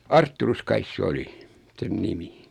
Artturus kai se oli sen nimi